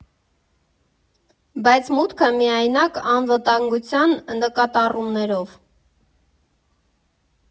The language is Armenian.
Բայց մուտքը՝ միայնակ, անվտանգության նկատառումներով։